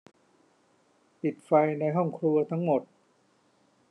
ปิดไฟในห้องครัวทั้งหมด